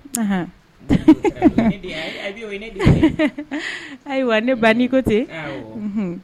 Ahann ne den ay Habi o ye ne den de ye ayiwa ne ba ni ko ten aawɔ unhun